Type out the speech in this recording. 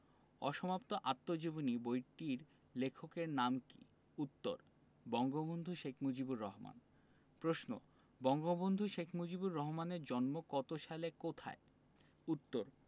অসমাপ্ত আত্মজীবনী বইটির লেখকের নাম কী উত্তর বঙ্গবন্ধু শেখ মুজিবুর রহমান প্রশ্ন বঙ্গবন্ধু শেখ মুজিবুর রহমানের জন্ম কত সালে কোথায় উত্তর